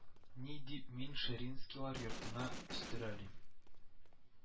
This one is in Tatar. Ни дип мин Ширинскийлар йортына өстерәлим